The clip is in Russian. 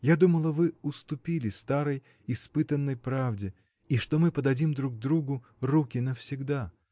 Я думала, вы уступили старой, испытанной правде и что мы подадим друг другу руки навсегда.